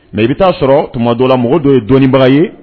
Nka i bɛ taaa sɔrɔ tuma ma dɔ la mɔgɔ dɔ ye dɔɔninɔnibara ye